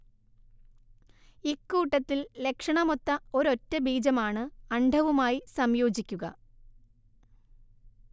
ഇക്കൂട്ടത്തിൽ ലക്ഷണമൊത്ത ഒരൊറ്റ ബീജമാണ് അണ്ഡവുമായി സംയോജിക്കുക